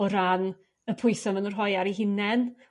O ran y pwyse ma' nhw rhoi ar eu hunen.